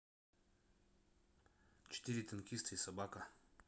четыре танкиста и собака